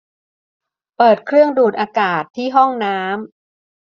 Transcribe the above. เปิดเครื่องดูดอากาศที่ห้องน้ำ